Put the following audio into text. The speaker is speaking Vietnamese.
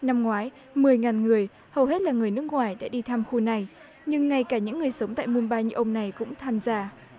năm ngoái mười ngàn người hầu hết là người nước ngoài đã đi thăm khu này nhưng ngay cả những người sống tại mum bai như ông này cũng tham gia